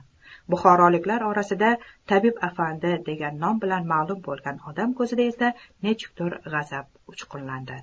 buxoroliklar orasida tabib afandi degan nom bilan malum bo'lgan odam ko'zida esa nechundir g'azab uchqunlanadi